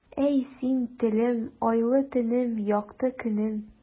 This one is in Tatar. Әй, син, телем, айлы төнем, якты көнем.